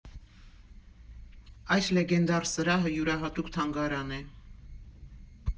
Այս լեգենդար սրահը յուրահատուկ թանգարան է.